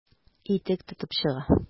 Итек тотып чыга.